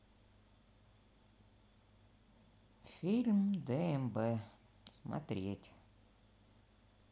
фильм дмб смотреть